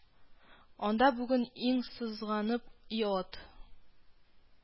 Анда бүген иң сызганып иат